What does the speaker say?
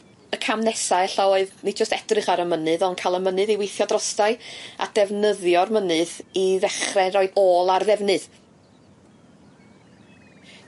Y cam nesa ella oedd nid jyst edrych ar y mynydd ond ca'l y mynydd i weithio drosta'i a defnyddio'r mynydd i ddechre roi ôl ar ddefnydd.